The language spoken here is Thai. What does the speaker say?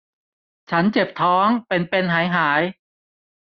ฉันเจ็บท้องเป็นเป็นหายหาย